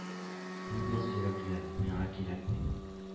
Мин боз йөрәкле, миңа кирәкми,х